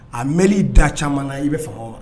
A mɛnli da caman na i bɛ faama ma